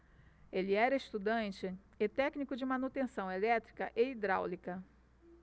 ele era estudante e técnico de manutenção elétrica e hidráulica